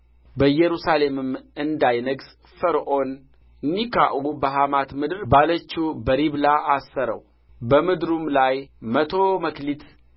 በኢየሩሳሌምም እንዳይነግሥ ፈርዖን ኒካዑ በሐማት ምድር ባለችው በሪብላ አሰረው በምድሩም ላይ መቶ መክሊት